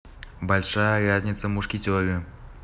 большая разница мушкетеры